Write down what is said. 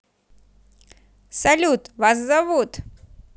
салют вас зовут